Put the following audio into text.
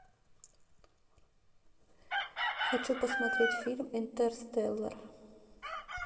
хочу посмотреть фильм интерстеллар